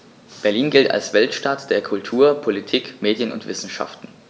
Berlin gilt als Weltstadt[9] der Kultur, Politik, Medien und Wissenschaften.